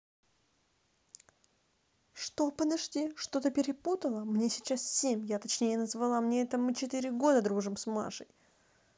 что подожди что то перепутала мне сейчас семь я точнее назвала мне это мы четыре года дружим с машей